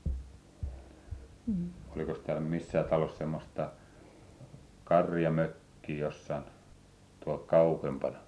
olikos täällä missään talossa semmoista karjamökkiä jossakin tuolla kauempana